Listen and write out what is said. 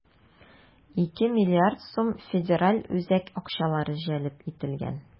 2 млрд сум федераль үзәк акчалары җәлеп ителгән.